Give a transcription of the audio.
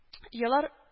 Еллар